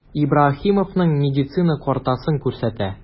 Ибраһимовның медицина картасын күрсәтә.